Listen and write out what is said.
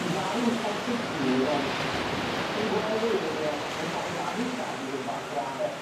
Bu farw'n saith ddeg tri mlwydd oed cyn gweld ei eirie yn ca'l eu fabwysiadu i'r fath radde.